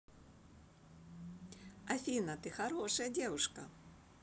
афина ты хорошая девушка